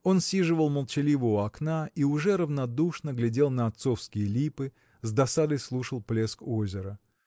Он сиживал молчаливо у окна и уже равнодушно глядел на отцовские липы с досадой слушал плеск озера.